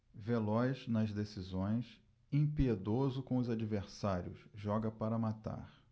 veloz nas decisões impiedoso com os adversários joga para matar